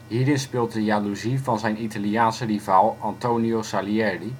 Hierin speelt de jaloezie van zijn Italiaanse rivaal Antonio Salieri